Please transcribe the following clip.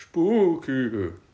Spooky